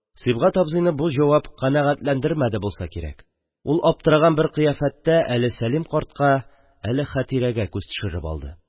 Сибгать абзыйны бу җавап канәгатьләндермәде булса кирәк, ул аптыраган бер кыяфәттә әле Сәлим картка, әле Хәтирәгә күз төшереп алды.